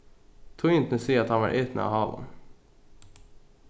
tíðindini siga at hann varð etin av hávum